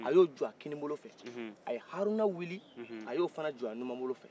a y'u jɔ a kinibolo fɛ a ye haruna wili a y'o fana jɔ a numabolo fɛ